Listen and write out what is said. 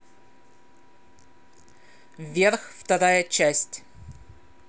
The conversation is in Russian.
вверх вторая часть